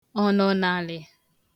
ọ̀nọ̀nààlị̀